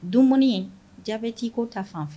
Dumuni in ja t' ko ta fanfɛ